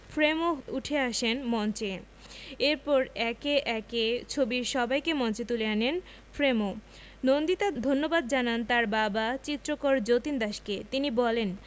ফ্রেমো উঠে আসেন মঞ্চে এরপর একে একে ছবির সবাইকে মঞ্চে তুলে আনেন ফ্রেমো নন্দিতা ধন্যবাদ জানান তার বাবা চিত্রকর যতীন দাসকে তিনি বলেন